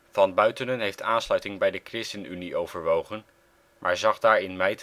Van Buitenen heeft aansluiting bij de ChristenUnie overwogen maar zag daar in mei